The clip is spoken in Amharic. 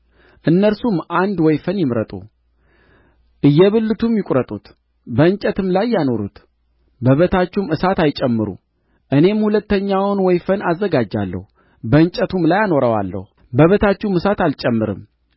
እነርሱም አንድ ወይፈን ይምረጡ እየብልቱም ይቍረጡት በእንጨትም ላይ ያኑሩት በበታቹም እሳት አይጨምሩ እኔም ሁለተኛውን ወይፈን አዘጋጃለሁ በእንጨቱም ላይ አኖረዋለሁ በበታቹም እሳት አልጨምርም